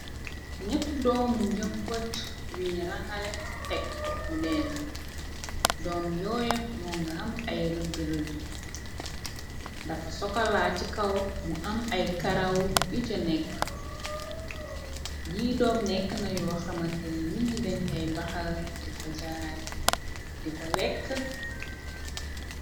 Ñetti doomu njëm bot yuñu rangale tekk mu deen doom yooyo moo nga am ay rëdd rëdd dafa sokolaa ci kaw mu am ay karaw ije nekk yi dom nekk nayo xamalte nit nñi den kay baxal aay di ko lekk.